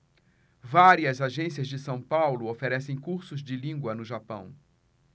várias agências de são paulo oferecem cursos de língua no japão